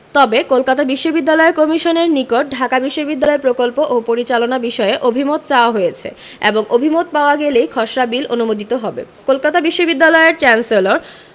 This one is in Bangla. তবে কলকাতা বিশ্ববিদ্যালয় কমিশনের নিকট ঢাকা বিশ্ববিদ্যালয় প্রকল্প ও পরিচালনা বিষয়ে অভিমত চাওয়া হয়েছে এবং অভিমত পাওয়া গেলেই খসড়া বিল অনুমোদিত হবে কলকাতা বিশ্ববিদ্যালয়ের চ্যান্সেলর